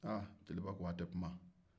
aa jeliba ko a tɛ kuma